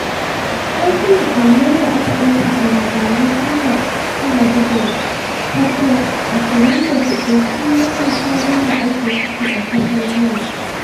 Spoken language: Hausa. Hotonan allo da aka ɗauka a labaran tashar talabijin ta France 24 sun nuna halin da ake ciki a ƙasar Gini.